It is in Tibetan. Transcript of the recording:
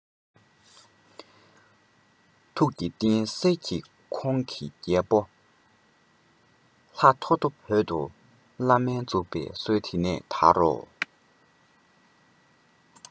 ཐུགས ཀྱི རྟེན གསེར གྱི ཁོང གིས རྒྱལ པོ ལྷ ཐོ ཐོ བོད དུ བླ སྨན འཛུགས པའི སྲོལ དེ ནས དར རོ